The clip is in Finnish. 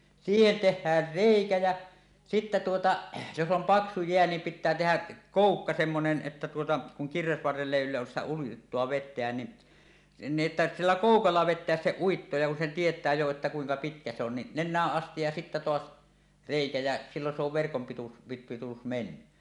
siihen tehdään reikä ja sitten tuota jos on paksu jää niin pitää tehdä koukka semmoinen että tuota kun kirvesvarrella ei yllä sitä uittoa vetämään niin niin että sillä koukalla vetää se uitto ja kun sen tietää jo että kuinka pitkä se on niin nenään asti ja sitten taas reikä ja silloin se on verkon pituus - pituus mennyt